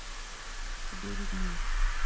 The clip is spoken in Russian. тебе видней